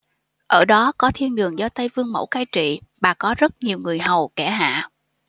ở đó có thiên đường do tây vương mẫu cai trị bà có rất nhiều người hầu kẻ hạ